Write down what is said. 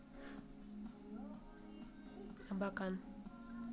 абакан